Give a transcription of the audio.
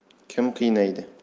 kim qiynaydi